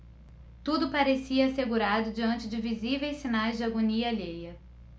tudo parecia assegurado diante de visíveis sinais de agonia alheia